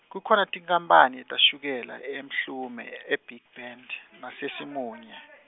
kukhona tinkapane tashukela eMhlume, e- Big Bend naseSimunye.